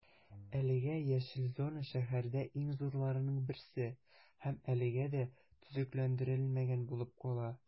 Әлеге яшел зона шәһәрдә иң зурларының берсе һәм әлегә дә төзекләндерелмәгән булып кала.